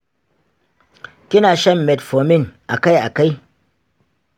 kina shan metformin akai akai?